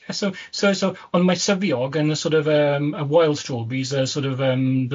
So, so, so. Ond mae syfiog yn y sor' of yym, y wild strawberries, y sor' of yym the